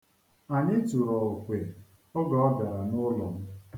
Anyị tụrụ okwe oge ọ bịara n'ụlọ m.